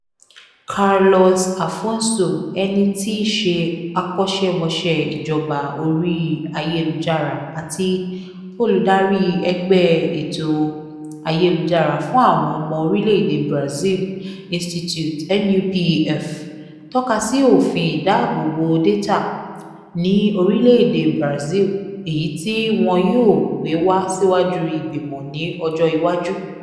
Carlos Afonso, ẹni tí í ṣe akọ́ṣẹ́mọṣẹ́ ìjọba orí ayélujára àti olùdarí ẹgbẹ́ ẹ̀tọ́ Ayélujára fún àwọn ọmọ orílẹ̀ èdè Brazil Institute Nupef, tọ́ka sí Òfin ìdáàbòbo Dátà ní orílẹ̀ èdè Brazil, èyí tí wọn yóò gbé wá síwájú ìgbìmọ̀ ní ọjọ́ iwájú.